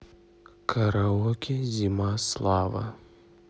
караоке зима слава